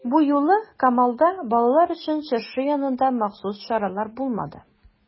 Бу юлы Камалда балалар өчен чыршы янында махсус чаралар булмады.